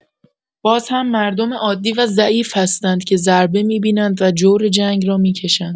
باز هم مردم عادی و ضعیف هستند که ضربه می‌بینند و جور جنگ را می‌کشند.